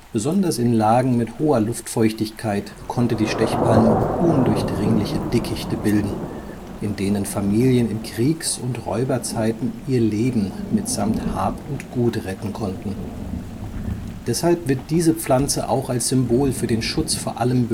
Besonders in Lagen mit hoher Luftfeuchtigkeit konnte die Stechpalme undurchdringliche Dickichte bilden, in denen Familien in Kriegs - und Räuberzeiten ihr Leben mitsamt Hab und Gut retten konnten. Deshalb wird diese Pflanze auch als Symbol für den Schutz vor allem